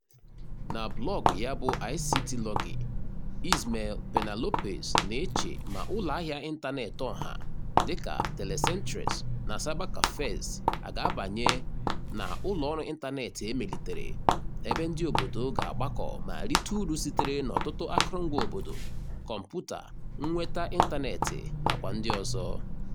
Na blọọgụ ya bụ ICTlogy, Ismael Peña-López na-eche ma ụlọahịa ịntaneetị ọha dịka telecentres na cybercafés a ga-abanye na ụlọọrụ ịntaneetị e melitere, “ebe ndị obodo ga-agbakọ̀ ma rite uru sitere n'ọtụtụ akụrụngwa obodo, kọmputa, nnweta ịntaneetị nakwa ndị ọzọ?